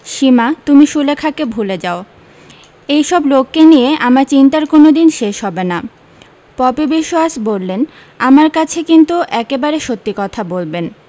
সীমা তুমি সুলেখাকে ভুলে যাও এই সব লোককে নিয়ে আমার চিন্তার কোন দিন শেষ হবে না পপি বিশোয়াস বললেন আমার কাছে কিন্তু একেবারে সত্যি কথা বলবেন